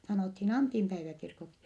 sanottiin Antinpäiväkirkoksi